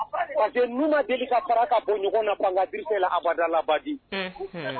Ma deli ka ka bɔ ɲɔgɔn na fangada la